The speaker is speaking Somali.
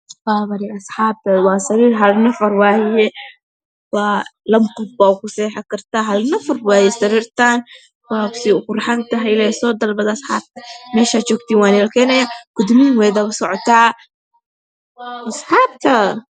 Asaxabta Waa sariir hal nafar ah labo qof waa ku seexan karta sidey u quruxan tahay soo dalbad asaxabta meesh aad joogtiin waa la idin kugu keenaya